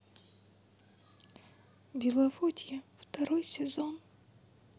беловодье второй сезон